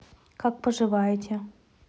как поживаете